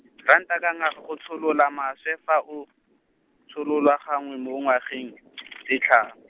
ranta ka na go tsholola maswe fa o, tsholola gangwe mo ngwageng, tse tlha-.